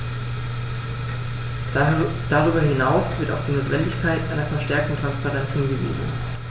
Darüber hinaus wird auf die Notwendigkeit einer verstärkten Transparenz hingewiesen.